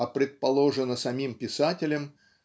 а предположено самим писателем